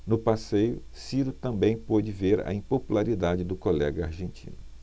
no passeio ciro também pôde ver a impopularidade do colega argentino